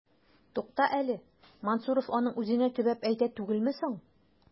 Тукта әле, Мансуров аның үзенә төбәп әйтә түгелме соң? ..